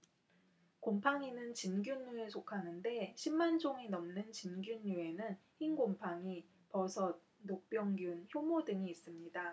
곰팡이는 진균류에 속하는데 십 만 종이 넘는 진균류에는 흰곰팡이 버섯 녹병균 효모 등이 있습니다